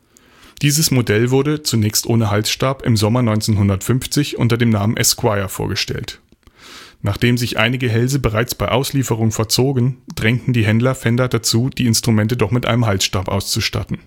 Dieses Modell wurde – zunächst ohne Halsstab – im Sommer 1950 unter dem Namen Esquire vorgestellt. Nachdem sich einige Hälse bereits bei Auslieferung verzogen, drängten die Händler Fender dazu, die Instrumente doch mit einem Halsstab auszustatten